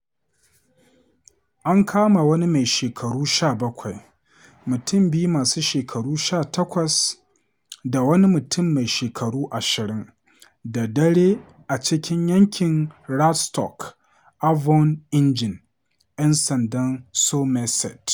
An kama wani mai shekaru 17, mutum biyu masu shekaru 18 da wani mutum mai shekaru 20 da dare a cikin yankin Radstock, Avon inji ‘Yan Sandan Somerset.